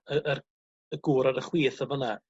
y yr y gŵr ar y chwith y fynna